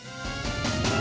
hây